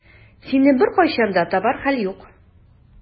Сине беркайчан да табар хәл юк.